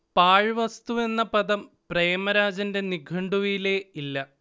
പാഴ്വസ്തു എന്ന പദം പ്രേമരാജന്റെ നിഘണ്ടുവിലേ ഇല്ല